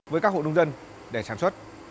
với các hộ nông dân để sản xuất